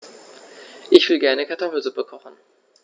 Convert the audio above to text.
Ich will gerne Kartoffelsuppe kochen.